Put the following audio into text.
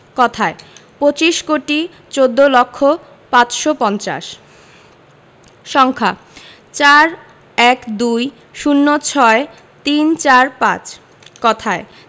কথায়ঃ পঁচিশ কোটি চৌদ্দ লক্ষ পাঁচশো পঞ্চাশ সংখ্যাঃ ৪ ১২ ০৬ ৩৪৫ কথায়ঃ